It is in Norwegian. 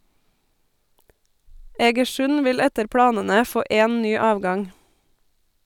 Egersund vil etter planene få én ny avgang.